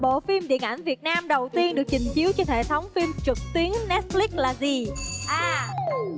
bộ phim điện ảnh việt nam đầu tiên được trình chiếu trên hệ thống phim nép lích là gì a